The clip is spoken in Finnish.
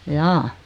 jaa